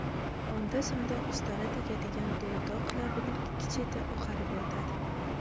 onda sonda ustara tegadigan do'rdoq labining ikki cheti oqarib yotadi